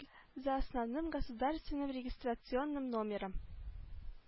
За основным государственным регистрационным номером